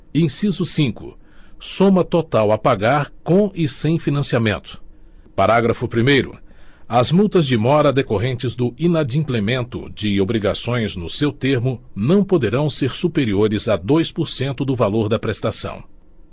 inciso cinco soma total a pagar com e sem financiamento parágrafo primeiro as multas de mora decorrentes do inadimplemento de obrigações no seu termo não poderão ser superiores a dois por cento do valor da prestação